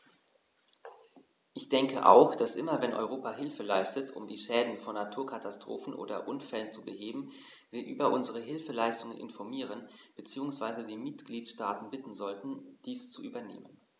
Ich denke auch, dass immer wenn Europa Hilfe leistet, um die Schäden von Naturkatastrophen oder Unfällen zu beheben, wir über unsere Hilfsleistungen informieren bzw. die Mitgliedstaaten bitten sollten, dies zu übernehmen.